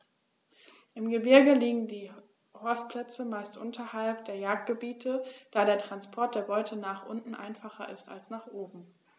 Im Gebirge liegen die Horstplätze meist unterhalb der Jagdgebiete, da der Transport der Beute nach unten einfacher ist als nach oben.